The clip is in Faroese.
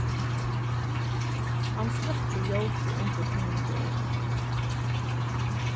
hann sløkkir ljósið undir tekniborðinum